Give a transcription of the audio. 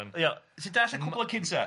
Ia, ti'm dallt y cwpled cynta'?